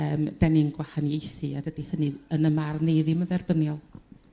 yrm 'den ni'n gwahaniaethu a dydy hynny yn 'ym marn i ddim yn dderbyniol.